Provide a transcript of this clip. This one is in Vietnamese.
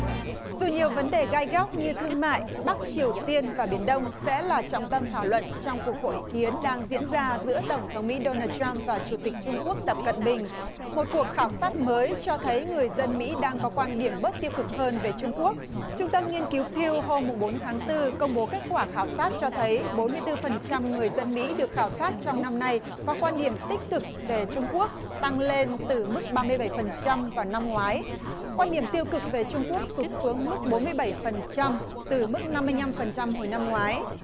dù nhiều vấn đề gai góc như thương mại bắc triều tiên và biển đông sẽ là trọng tâm thảo luận trong cuộc hội kiến đang diễn ra giữa tổng thống mỹ đô nờ trăm và chủ tịch trung quốc tập cận bình một cuộc khảo sát mới cho thấy người dân mỹ đang có quan điểm bớt tiêu cực hơn về trung quốc trung tâm nghiên cứu piu hôm mùng bốn tháng tư công bố kết quả khảo sát cho thấy bốn mươi tư phần trăm người dân mỹ được khảo sát trong năm nay có quan điểm tích cực về trung quốc tăng lên từ mức ba mươi bảy phần trăm vào năm ngoái quan niệm tiêu cực về trung quốc sụt xuống mức bốn mươi bảy phần trăm từ mức năm mươi nhăm phần trăm hồi năm ngoái